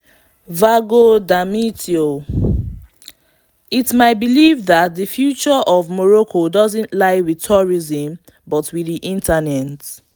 [Vago Damitio:] It's my belief that the future of Morocco doesn't lie with tourism but with the internet.